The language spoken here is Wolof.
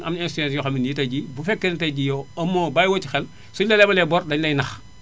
am na institutions yoo xam ne tay jii bu fekkee ne tay jii yow amoo bàyyiwoo ci xel suñu la lebalee bor dañu lay nax